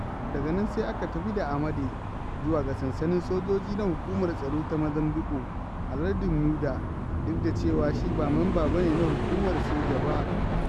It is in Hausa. Daga nan sai aka tafi da Amade zuwa ga sansanin sojoji na hukumar tsaro ta Mozambiƙue a lardin Mueda, duk da cewa shi ba mamba ne na hukumar soja ba.